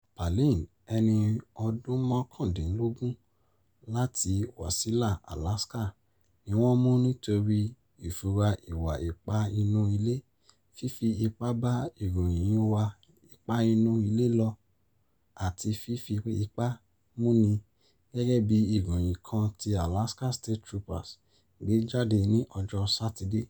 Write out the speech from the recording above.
Palin, ẹni ọdún mọ́kàndínlọ́gbọ̀n, láti Wasilla, Alaska, ni wọ́n mú nítorí ìfura ìwà ipá inú ilé, fífi ipá bá ìròyìn ìwà ipá inú ilé lò, àti fífi ipá múni, gẹ́gẹ́ bí ìròyìn kan tí Alaska State Troopers gbé jáde ní ọjọ́ Sátidé.